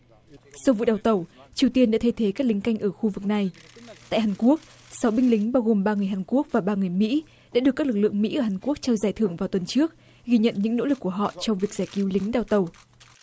sau vụ đào tẩu triều tiên để thay thế các lính canh ở khu vực này tại hàn quốc sáu binh lính bao gồm ba người hàn quốc và ba người mỹ sẽ được các lực lượng mỹ hàn quốc trao giải thưởng vào tuần trước ghi nhận những nỗ lực của họ trong việc giải cứu lính đào tẩu